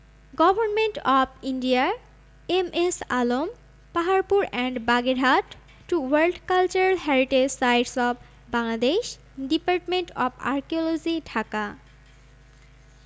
government of India M S Alam Paharpur and Bagerhat to world cultural heritage sites of Bangladesh department of archaeology Dhaka